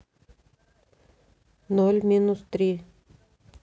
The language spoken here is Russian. о минус три